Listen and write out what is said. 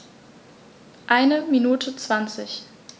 Eine Minute 20